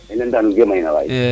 in way ndaan ke may nawaay